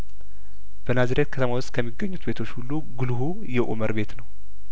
በናዝሬት ከተማ ውስጥ ከሚገኙ ቤቶች ሁሉ ጉልሁ የኡመር ቤት ነው